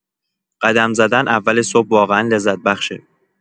قدم زدن اول صبح واقعا لذت بخشه